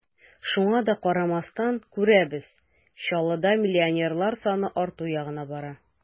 Шуңа да карамастан, күрәбез: Чаллыда миллионерлар саны арту ягына бара.